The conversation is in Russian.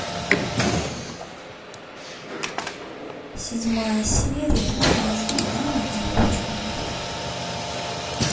седьмая серия между нами девочками